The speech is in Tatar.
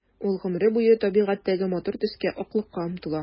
Ул гомере буе табигатьтәге матур төскә— аклыкка омтыла.